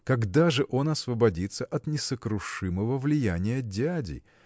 когда же он освободится от несокрушимого влияния дяди?